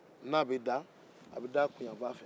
n'a bɛ da a bɛ da a kun yanfan fɛ